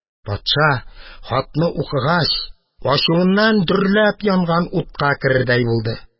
Патша, хатны укыгач, ачуыннан дөрләп янган утка керердәй булды.